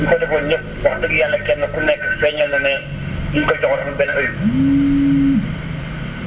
ñi ko defoon ñëpp wax dëgg yàlla kenn ku nekk feeñal na ne liñ ko joxoon amul benn ayib